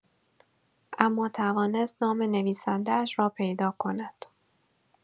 اما توانست نام نویسنده‌اش را پیدا کند.